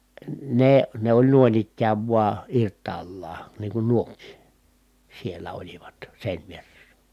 ne ne oli noin ikään vain irtaallaan niin kuin nuokin siellä olivat seinävieressä